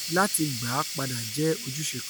Láti gbà á padà jẹ́ ojúṣe kan.''